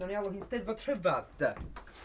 Wnawn ni alw hi'n 'Steddfod rhyfedd de?